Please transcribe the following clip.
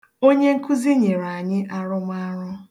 Onye nkụzi nyere anyị arụmarụ